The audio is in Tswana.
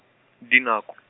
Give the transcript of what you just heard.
dinako.